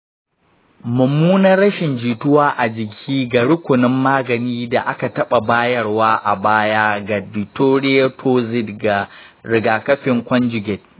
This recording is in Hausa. mummunar rashin jituwa a jiki ga rukunin magani da aka taɓa bayarwa a baya ko ga diphtheria toxoid ga rigakafin conjugate